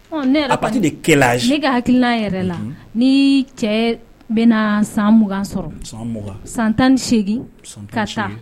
Ne ka hakili yɛrɛ la ni cɛ bɛna na san mugan sɔrɔ san tan nise ka